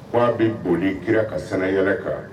K'a bɛ boli kira ka sɛnɛy kan